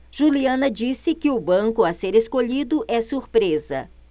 juliana disse que o banco a ser escolhido é surpresa